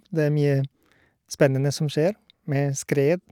Det er mye spennende som skjer med skred.